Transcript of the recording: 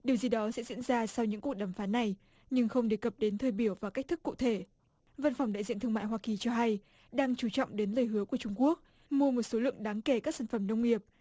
điều gì đó sẽ diễn ra sau những cuộc đàm phán này nhưng không đề cập đến thời biểu và cách thức cụ thể văn phòng đại diện thương mại hoa kỳ cho hay đang chú trọng đến lời hứa của trung quốc mua một số lượng đáng kể các sản phẩm nông nghiệp